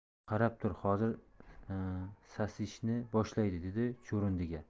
qarab tur hozir sasishni boshlaydi dedi chuvrindiga